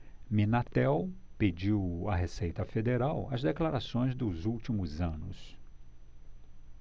minatel pediu à receita federal as declarações dos últimos anos